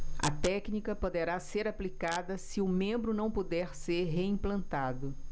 a técnica poderá ser aplicada se o membro não puder ser reimplantado